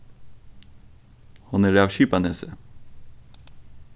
hon er av skipanesi